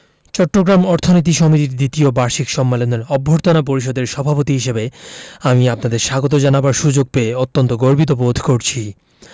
চট্টগ্রাম অর্থনীতি সমিতির দ্বিতীয় বার্ষিক সম্মেলনের অভ্যর্থনা পরিষদের সভাপতি হিসেবে আমি আপনাদের স্বাগত জানাবার সুযোগ পেয়ে অত্যন্ত গর্বিত বোধ করছি